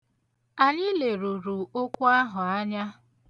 Anyị leruru okwu ahụ anya.